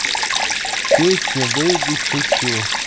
песня бейби тю тю